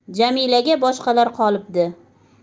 jamilaga boshqalar qolibdi